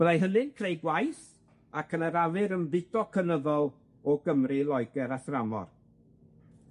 Byddai hynny'n creu gwaith ac yn arafu'r ymfudo cynyddol o Gymru i Loeger a thramor.